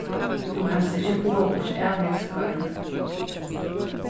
tú kanst ikki fáa burturav hesi køkuni